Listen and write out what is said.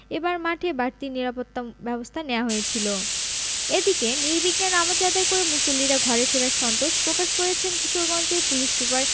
এবার মাঠে বাড়তি নিরাপত্তাব্যবস্থা নেওয়া হয়েছিল এদিকে নির্বিঘ্নে নামাজ আদায় করে মুসল্লিরা ঘরে ফেরায় সন্তোষ প্রকাশ করেছেন কিশোরগঞ্জের পুলিশ সুপার